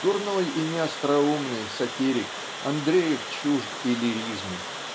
Дурной и неостроумный сатирик, Андреев чужд и лиризму.